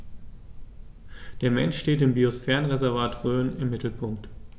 Der Mensch steht im Biosphärenreservat Rhön im Mittelpunkt.